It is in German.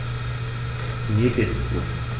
Mir geht es gut.